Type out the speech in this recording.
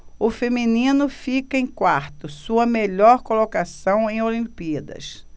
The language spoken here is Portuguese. o feminino fica em quarto sua melhor colocação em olimpíadas